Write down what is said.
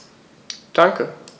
Danke.